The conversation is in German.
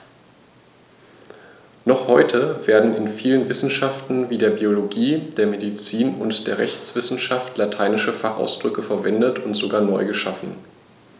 Noch heute werden in vielen Wissenschaften wie der Biologie, der Medizin und der Rechtswissenschaft lateinische Fachausdrücke verwendet und sogar neu geschaffen.